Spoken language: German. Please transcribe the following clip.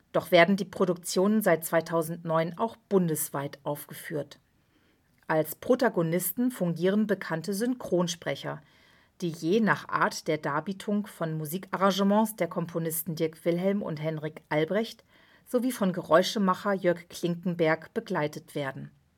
doch werden die Produktionen seit 2009 auch bundesweit aufgeführt. Als Protagonisten fungieren bekannte Synchronsprecher, die je nach Art der Darbietung von Musikarrangements der Komponisten Dirk Wilhelm und Henrik Albrecht sowie von Geräuschemacher Jörg Klinkenberg begleitet werden